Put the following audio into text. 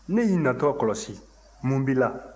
ne y'i natɔ kɔlɔsi mun b'i la